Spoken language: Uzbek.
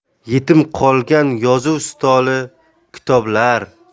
yetim qolgan yozuv stoli kitoblar